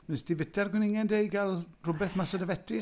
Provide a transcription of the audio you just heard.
Wnes ti fyta'r gwningen de i gael rywbeth mas o dy fetys?